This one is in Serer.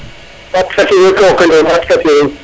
ɓaat ka tino to o kendoif ɓatka tiran